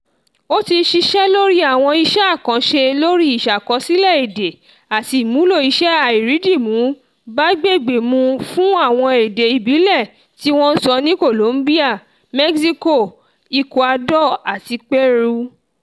Ó ti ṣiṣẹ́ lórí àwọn iṣẹ́ àkànṣe lórí ìṣàkọsílẹ̀ èdè àti ìmúlò-iṣẹ́-àìrídìmú-bágbègbè-mu fún àwọn èdè ìbílẹ̀ tí wọ́n ń sọ ní Colombia, Mexico, Ecuador àti Peru.